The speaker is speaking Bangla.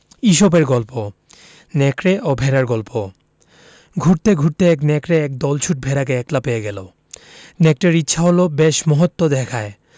ইসপের গল্প নেকড়ে ও ভেড়ার গল্প ঘুরতে ঘুরতে এক নেকড়ে একটা দলছুট ভেড়াকে একলা পেয়ে গেল নেকড়ের ইচ্ছে হল বেশ মহত্ব দেখায়